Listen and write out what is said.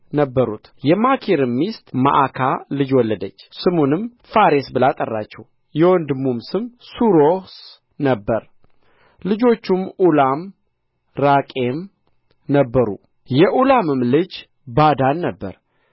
ነበሩት የማኪርም ሚስት መዓካ ልጅ ወለደች ስሙንም ፋሬስ ብላ ጠራችው የወንድሙም ስም ሱሮስ ነበረ ልጆቹም ኡላም ራቄም ነበሩ የኡላምም ልጅ ባዳን ነበረ